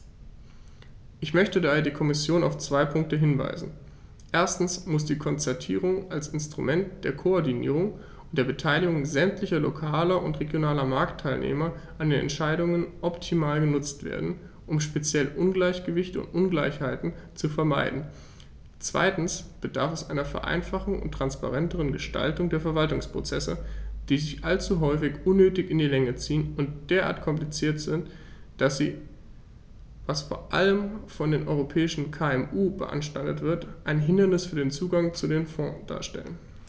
Ich möchte daher die Kommission auf zwei Punkte hinweisen: Erstens muss die Konzertierung als Instrument der Koordinierung und der Beteiligung sämtlicher lokaler und regionaler Marktteilnehmer an den Entscheidungen optimal genutzt werden, um speziell Ungleichgewichte und Ungleichheiten zu vermeiden; zweitens bedarf es einer Vereinfachung und transparenteren Gestaltung der Verwaltungsprozesse, die sich allzu häufig unnötig in die Länge ziehen und derart kompliziert sind, dass sie, was vor allem von den europäischen KMU beanstandet wird, ein Hindernis für den Zugang zu den Fonds darstellen.